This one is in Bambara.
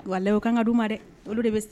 Wa la kan ka du ma dɛ olu de bɛ